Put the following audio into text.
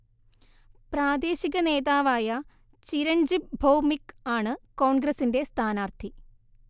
പ്രാദേശിക നേതാവായ ചിരൺജിബ് ഭോവ്മിക് ആണ് കോൺഗ്രസിന്റെ സ്ഥാനാർത്ഥി